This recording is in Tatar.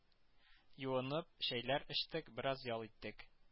Юынып, чәйләр эчтек, бераз ял иттек